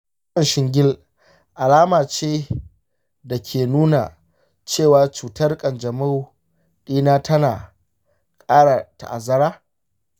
shin ciwon shingle alama ce da ke nuna cewa cutar kanjamau ɗina tana ƙara ta'azzara?